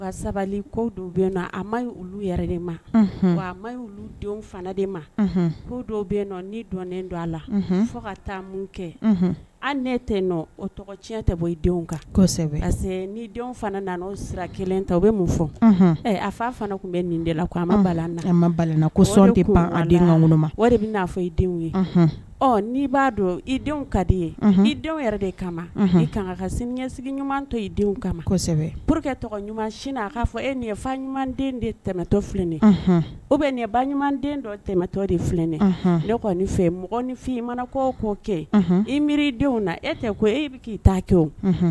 A ma ko bɛ don a la fo ka taa mun kɛ an tɛ o tɛ o fɔ a fa tun bɛ nina fɔ ye ɔ n' b'a dɔn i denw ka di ye i denw yɛrɛ de kama i ka kan ka sini ɲɛsigi ɲuman to i kamasɛbɛ po ɲuman a'a fɔ e nin fa ɲumanden de tɛmɛtɔfi o bɛ nin ba ɲumanden dɔ tɛmɛtɔ de fi kɔni fɛ minfin i mana ko ko kɛ i miiri denw na e tɛ e bɛ' i ta kɛ